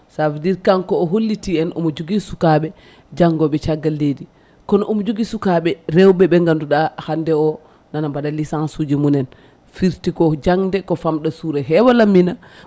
ça veut dire kanko o holliti en omo jogui sukaɓe janggoɓe caggal leydi kono omo jogui sukaɓe rewɓe ɓe ganduɗa hande o nana mbaɗa licence uji mumen fiiti ko jangde ko famɗa suura heewa lammina